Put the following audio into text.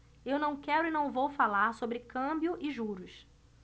eu não quero e não vou falar sobre câmbio e juros